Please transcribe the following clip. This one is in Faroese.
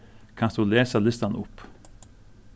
kanst tú lesa listan upp